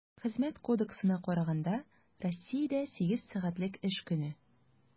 Хезмәт кодексына караганда, Россиядә сигез сәгатьлек эш көне.